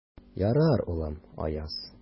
Ярар, улым, Аяз.